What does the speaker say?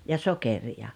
ja sokeria